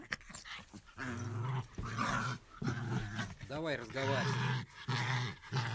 давай разговаривать